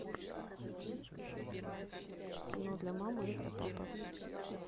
кино для мамы и для папы